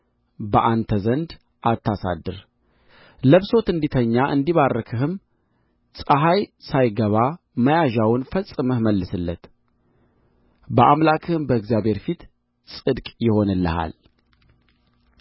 በአንተ ዘንድ አታሳድር ለብሶት እንዲተኛ እንዲባርክህም ፀሐይ ሳይገባ መያዣውን ፈጽመህ መልስለት በአምላክህም በእግዚአብሔር ፊት ጽድቅ ይሆንልሃል